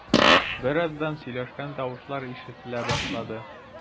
Бераздан сөйләшкән тавышлар ишетелә башлады.